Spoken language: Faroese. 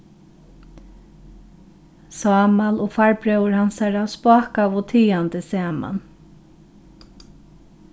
sámal og farbróðir hansara spákaðu tigandi saman